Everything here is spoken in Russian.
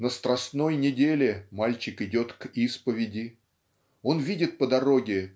На страстной неделе мальчик идет к исповеди. Он видит по дороге